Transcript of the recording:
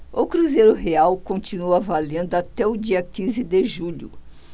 o cruzeiro real continua valendo até o dia quinze de julho